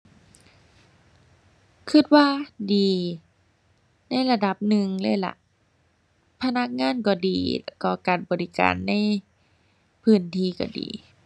คิดว่าดีในระดับหนึ่งเลยล่ะ พนักงานก็ดี ก็การบริการในพื้นที่ก็ดี